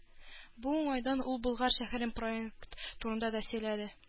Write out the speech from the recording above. Бу уңайдан ул Болгар шәһәрен проект турында да сөйләде.